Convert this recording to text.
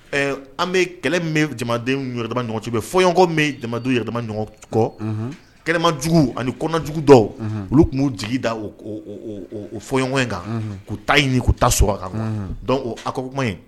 Ɛɛ an bɛ kɛlɛ minbɛ jamaden yɛrɛdama ni ɲɔgɔn cɛ bɛ fɔɲɔgɔnkɔ min bɛ jamamandenw yɛrɛ dama ni ɲɔgɔn kɔ, kɛnɛmajuguw ani kɔnɔjugu dɔw , unhun, olu tun b'u jigi da o o o fɔɲɔgɔnkɔ in kanunhun, k'u ta ɲini k'u ta ɲini k'u ta sɔrɔ a kan, donc o accord ko kuma in